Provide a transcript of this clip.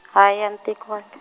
hayi a n- tekiwaka.